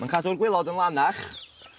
ma'n cadw'n gwîlod yn lanach